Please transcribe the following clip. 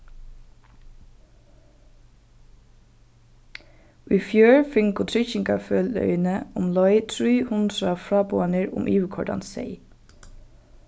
í fjør fingu tryggingarfeløgini umleið trý hundrað fráboðanir um yvirkoyrdan seyð